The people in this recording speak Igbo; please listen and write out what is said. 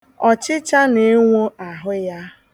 Ọchịcha na-enwo ahụ ya.